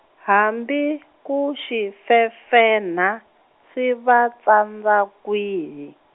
hambi ku xi fefenha, swi va tsandza kwihi.